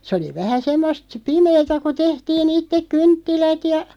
se oli vähän semmoista pimeää kun tehtiin itse kynttilät ja